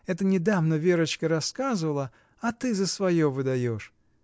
Это недавно Верочка рассказывала, а ты за свое выдаешь!